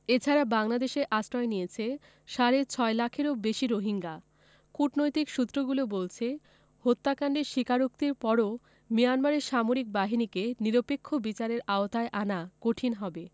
এ ছাড়া বাংলাদেশে আশ্রয় নিয়েছে সাড়ে ছয় লাখেরও বেশি রোহিঙ্গা কূটনৈতিক সূত্রগুলো বলছে হত্যাকাণ্ডের স্বীকারোক্তির পরও মিয়ানমারের সামরিক বাহিনীকে নিরপেক্ষ বিচারের আওতায় আনা কঠিন হবে